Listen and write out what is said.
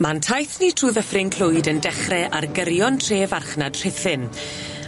Ma'n taith ni trw ddyffryn Clwyd yn dechre ar gyrion tre farchnad Rhuthun.